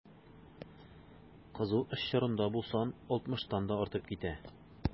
Кызу эш чорында бу сан 60 тан да артып китә.